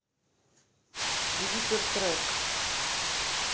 гипер трек